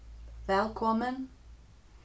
vælkomin